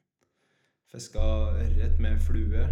Fiska ørret med flue.